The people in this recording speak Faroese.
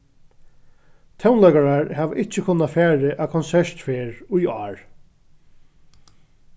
tónleikarar hava ikki kunna farið á konsertferð í ár